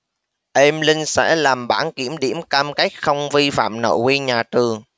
em linh sẽ làm bản kiểm điểm cam kết không vi phạm nội quy nhà trường